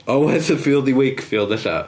Yym o Weatherfield i Wakefield ella.